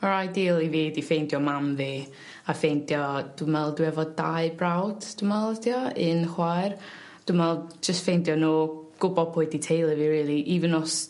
Yr ideal i fi 'di ffeindio mam fi a ffeindio dwi me'wl dwi efo dau brawd dwi me'wl ydi o un chwaer dwi me'wl jyst ffeindio n'w gwbo pwy 'di teulu fi rili even os